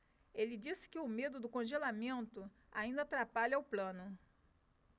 ele disse que o medo do congelamento ainda atrapalha o plano